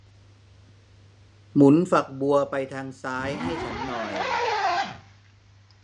หมุนฝักบัวไปทางซ้ายให้ฉันหน่อย